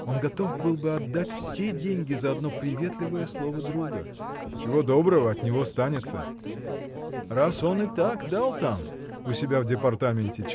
Он готов был бы отдать все деньги за одно приветливое слово друга. – Чего доброго: от него станется! Раз он и так дал там у себя в департаменте